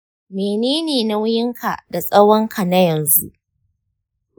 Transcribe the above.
menene nauyinka da tsawonka na yanzu?